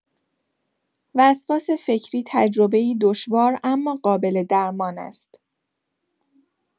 وسواس فکری تجربه‌ای دشوار اما قابل‌درمان است.